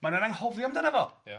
Maen nhw'n anghofio amdano fo... Ia.